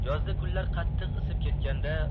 yozda kunlar qattiq isib ketganda